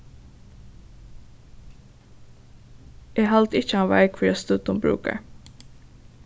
eg haldi ikki at hann veit hvørja stødd hon brúkar